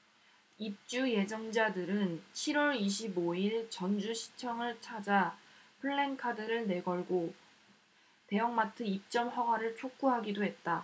입주 예정자들은 칠 월 이십 오 일 전주시청을 찾아 플래카드를 내걸고 대형마트 입점 허가를 촉구하기도 했다